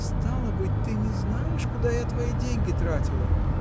— Стало быть, ты не знаешь, куда я твои деньги тратила?